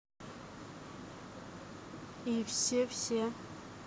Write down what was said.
и все все